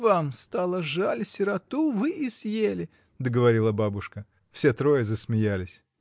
— Вам стало жаль сироту, вы и съели? — договорила бабушка. Все трое засмеялись.